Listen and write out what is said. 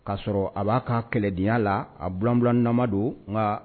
K ka'a sɔrɔ a b'a ka kɛlɛdiya la a bilabu nama don nka